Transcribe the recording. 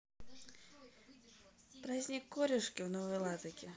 праздник корюшки в новой ладоге